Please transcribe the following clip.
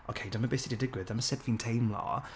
ocei, dyma be sy 'di digwydd, dyma sut fi'n teimlo,